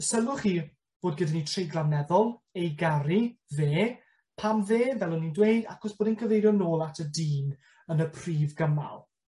sylwch chi bod gyda ni treiglad meddal, ei garu fe pam fe fel o'n i'n dweud acos bod e'n cyfeirio nôl at y dyn yn y prif gymal.